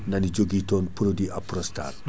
nani joogui ton produit Aprostar